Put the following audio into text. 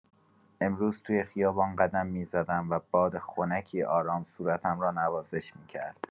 امروز توی خیابون قدم می‌زدم و باد خنکی آرام صورتم را نوازش می‌کرد.